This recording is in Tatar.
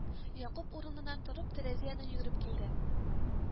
Якуб, урыныннан торып, тәрәзә янына йөгереп килде